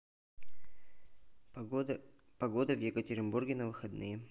погода в екатеринбурге на выходные